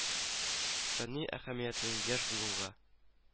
Фәнни әһәмиятен яшь буынга